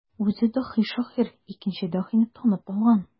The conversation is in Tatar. Үзе даһи шагыйрь икенче даһине танып алган.